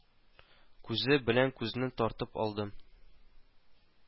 Күзе белән күзне тартып алды